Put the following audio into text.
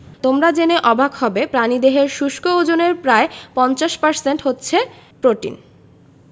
তোমরা জেনে অবাক হবে প্রাণীদেহের শুষ্ক ওজনের প্রায় ৫০% হচ্ছে প্রোটিন